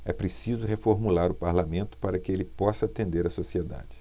é preciso reformular o parlamento para que ele possa atender a sociedade